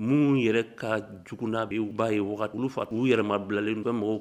Minnu yɛrɛ ka jugu bi u b'a ye waga olu fa k'u yɛrɛma bilala ka mɔgɔ